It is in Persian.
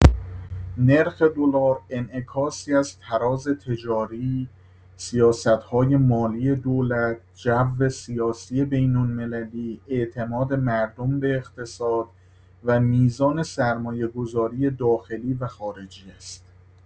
نرخ دلار انعکاسی از تراز تجاری، سیاست‌های مالی دولت، جو سیاسی بین‌المللی، اعتماد مردم به اقتصاد و میزان سرمایه‌گذاری داخلی و خارجی است.